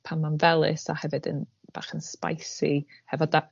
pan ma'n felys a hefyd yn bach yn spicy hefo da-